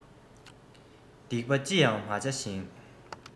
སྡིག པ ཅི ཡང མི བྱ ཞིང